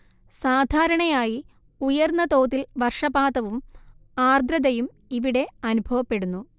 സാധാരണയായി ഉയർന്ന തോതിൽ വർഷപാതവും ആർദ്രതയും ഇവിടെ അനുഭവപ്പെടുന്നു